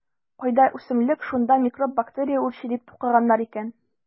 Кайда үсемлек - шунда микроб-бактерия үрчи, - дип тукыганнар икән.